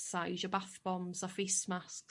a iwsio bathfoms a facemasks